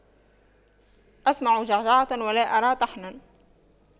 أسمع جعجعة ولا أرى طحنا